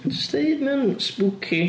Jyst deud mae o'n spooky.